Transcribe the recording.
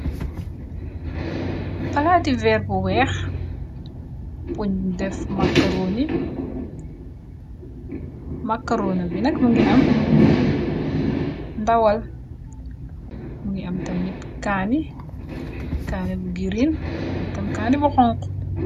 Palaati veer bu weeh, buñ def makarooni. Mararoona bi nak mu ngi am ndawal mu ngi am tamit kani. Kanni bu green am tam kaani bu honku.